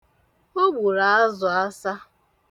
O gburu azụ asa.